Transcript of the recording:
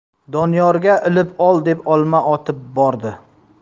doniyorga ilib ol deb olma otib bordi